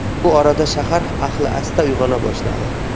bu orada shahar ahli asta uyg'ona boshladi